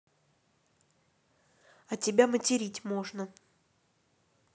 а тебя материть можно